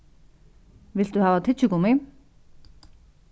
vilt tú hava tyggigummi